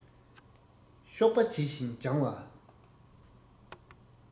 གཤོག པ ཇི བཞིན ལྗང བ